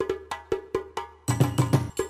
Sanunɛgɛnin